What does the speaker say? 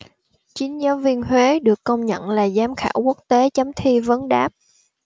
chín giáo viên huế được công nhận là giám khảo quốc tế chấm thi vấn đáp